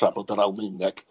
tra bod yr Almaeneg